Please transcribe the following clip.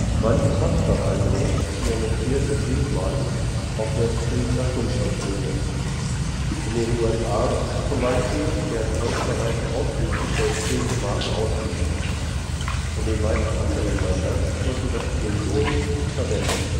Manche Postverwaltungen experimentieren mit Briefmarken auf selbstklebender Kunststofffolie. In den USA z. B. werden heute bereits ausschließlich selbstklebende Marken ausgegeben. In den meisten anderen Ländern wird jedoch die Gummierung verwendet